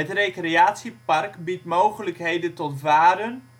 recreatiepark biedt mogelijkheden tot varen